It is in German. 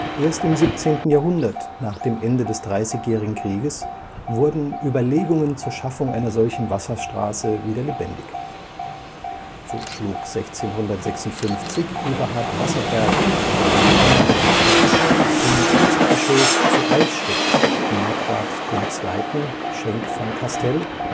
Erst im 17. Jahrhundert, nach dem Ende des Dreißigjährigen Krieges, wurden Überlegungen zur Schaffung einer solchen Wasserstraße wieder lebendig. So schlug 1656 Eberhard Wasserberg aus Emmerich dem Fürstbischof zu Eichstätt Marquard II. Schenk von Castell eine